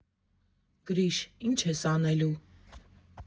Գրիշ, ի՞նչ ես անելու…